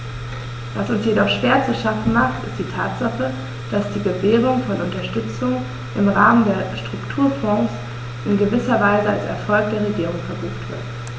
Was uns jedoch schwer zu schaffen macht, ist die Tatsache, dass die Gewährung von Unterstützung im Rahmen der Strukturfonds in gewisser Weise als Erfolg der Regierung verbucht wird.